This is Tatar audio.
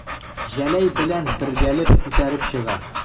Җәләй белән бергәләп күтәреп чыга.